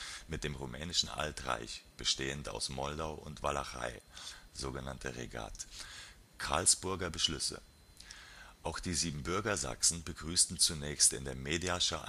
bestehend aus Moldau und Walachei (sog. Regat); (Karlsburger Beschlüsse). Auch die Siebenbürger Sachsen begrüßten zunächst in der Mediascher